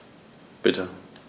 Bitte.